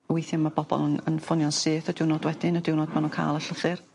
Weithie ma' bobol yn yn ffonio'n syth y diwrnod wedyn y diwrnod ma' nw'n ca'l y llythyr.